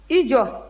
i jɔ